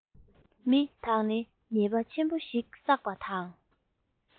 མི དག ནི ཉེས པ ཆེན པོ ཞིག བསགས པ དང